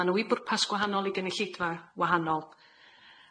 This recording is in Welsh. Ma' n'w i bwrpas gwahanol i gynulleidfa wahanol.